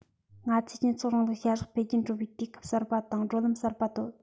ང ཚོས སྤྱི ཚོགས རིང ལུགས བྱ གཞག འཕེལ རྒྱས འགྲོ བའི དུས སྐབས གསར པ དང བགྲོད ལམ གསར པ བཏོད